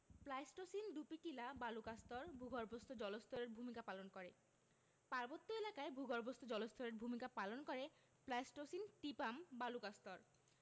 Pleistocene Dupi Tila বালুকাস্তর ভূগর্ভস্থ জলস্তরের ভূমিকা পালন করে পার্বত্য এলাকায় ভূগর্ভস্থ জলস্তরের ভূমিকা পালন করে প্লাইসটোসিন টিপাম বালুকাস্তর